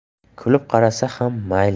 kulib qarasa ham mayli edi